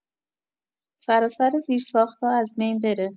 سراسر زیر ساخت‌ها از بین بره.